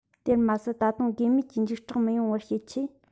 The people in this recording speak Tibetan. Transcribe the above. དེར མ ཟད ད དུང དགོས མེད ཀྱི འཇིགས སྐྲག མི ཡོང བར བྱེད ཆེད